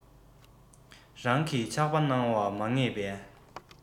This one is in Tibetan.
རང གི ཆགས པ སྣང བ མ ངེས པས